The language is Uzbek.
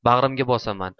bag'rimga bosaman